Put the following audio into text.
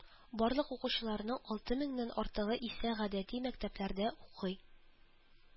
Барлык укучыларның алты меңнән артыгы исә гадәти мәктәпләрдә укый